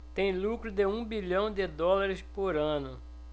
tem lucro de um bilhão de dólares por ano